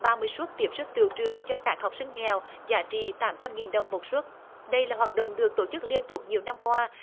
ba mươi suất tiếp sức tựu trường cho các học sinh nghèo giá trị tám trăm nghìn đồng một suất đây là hoạt động được tổ chức liên tục nhiều năm qua